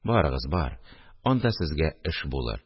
Барыгыз, бар, анда сезгә эш булыр